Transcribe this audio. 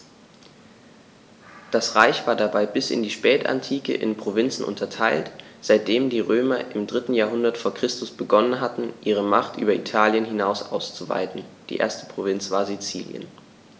Das Reich war dabei bis in die Spätantike in Provinzen unterteilt, seitdem die Römer im 3. Jahrhundert vor Christus begonnen hatten, ihre Macht über Italien hinaus auszuweiten (die erste Provinz war Sizilien).